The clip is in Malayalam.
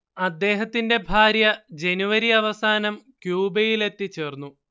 അദ്ദേഹത്തിന്റെ ഭാര്യ ജനുവരി അവസാനം ക്യൂബയിലെത്തിച്ചേർന്നു